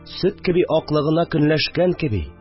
Сөт кеби аклыгына көнләшкән кеби